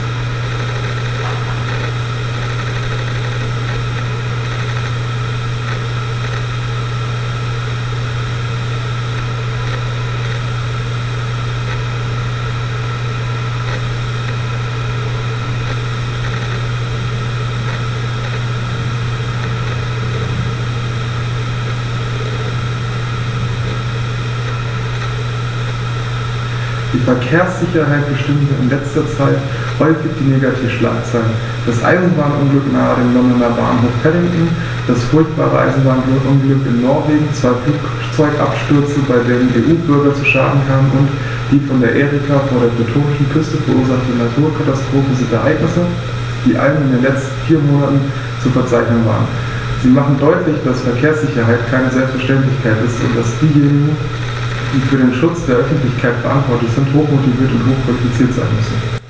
Die Verkehrssicherheit bestimmte in letzter Zeit häufig die Negativschlagzeilen: Das Eisenbahnunglück nahe dem Londoner Bahnhof Paddington, das furchtbare Eisenbahnunglück in Norwegen, zwei Flugzeugabstürze, bei denen EU-Bürger zu Schaden kamen, und die von der Erika vor der bretonischen Küste verursachte Naturkatastrophe sind Ereignisse, die allein in den letzten vier Monaten zu verzeichnen waren. Sie machen deutlich, dass Verkehrssicherheit keine Selbstverständlichkeit ist und dass diejenigen, die für den Schutz der Öffentlichkeit verantwortlich sind, hochmotiviert und hochqualifiziert sein müssen.